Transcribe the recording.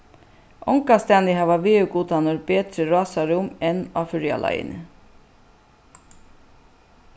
ongastaðni hava veðurgudarnir betri rásarúm enn á føroyaleiðini